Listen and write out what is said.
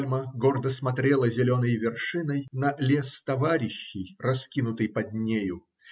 И пальма гордо смотрела зеленой вершиной на лес товарищей, раскинутый под нею.